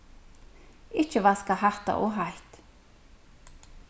ikki vaska hatta ov heitt